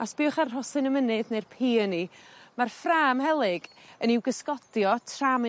A sbiwch ar rhosyn y mynydd ne'r Peony. Ma'r ffrâm helyg yn i'w gysgodi o tra mae